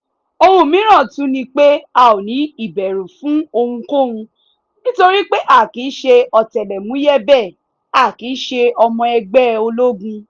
Ohun mìíràn tún ni pé, a ò ní ìbẹ̀rù fún ohunkóhun, nítorí pé a kìí ṣe ọ̀tẹlẹ̀múyẹ́ bẹ́ẹ̀ a kìí ṣe ọmọ ẹgbẹ́ ológun.